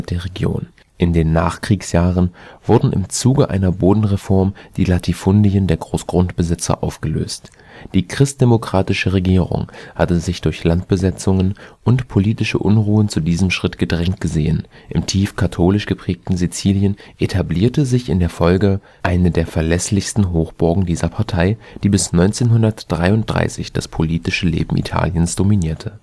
Region. In den Nachkriegsjahren wurden im Zuge einer Bodenreform die Latifundien der Großgrundbesitzer aufgelöst. Die christdemokratische Regierung hatte sich durch Landbesetzungen und politische Unruhen zu diesem Schritt gedrängt gesehen, im tief katholisch geprägten Sizilien etablierte sich in der Folge eine der verlässlichsten Hochburgen dieser Partei, die bis 1993 das politische Leben Italiens dominierte